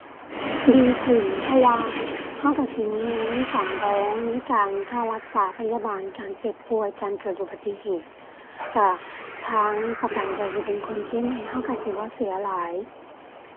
ดีขึ้น เพราะว่าเราเราสิมีเงินสำรองในการค่ารักษาพยาบาล การเจ็บป่วย การเกิดอุบัติเหตุ เราทางประกันเราสิเป็นคนเคลมให้ เราเราสิบ่เสียหลาย